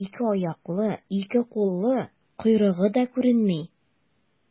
Ике аяклы, ике куллы, койрыгы да күренми.